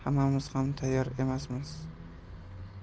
bo'lishga hali hammamiz ham tayyor emasmiz